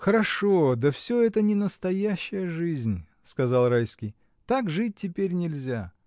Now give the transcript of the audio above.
— Хорошо, да всё это не настоящая жизнь, — сказал Райский, — так жить теперь нельзя.